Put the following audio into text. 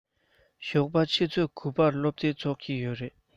ཞོགས པ ཆུ ཚོད དགུ པར སློབ ཚན ཚུགས ཀྱི ཡོད རེད